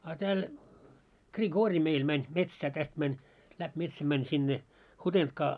a täällä Grigor meillä meni metsään tästä meni läpi metsän meni sinne Hutentkaan